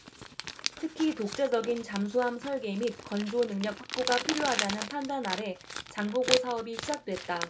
특히 독자적인 잠수함 설계 및 건조 능력 확보가 필요하다는 판단아래 장보고 사업이 시작됐다